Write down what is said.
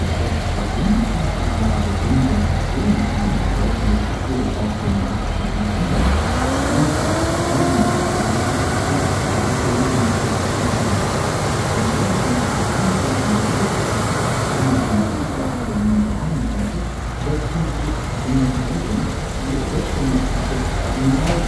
Das Persönlichkeitsideal der jungen Generation in der deutschen Literatur des ausgehenden 18. Jahrhunderts wendet sich gegen Autorität und Tradition im politischen Leben. An Stelle einer erlernbaren Regelpoetik, die man in Dichterakademien lernen konnte, setzten die „ jungen Wilden “die Selbständigkeit des Original-Genies